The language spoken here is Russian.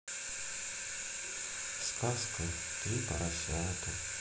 сказка три поросята